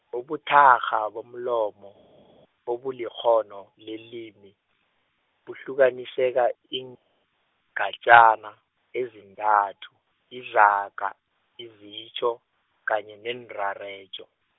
ubuthakgha bomlomo , obulikghono lelimi, buhlukaniseka iingatjana, ezintathu, izaga, izitjho, kanye neenrarejo.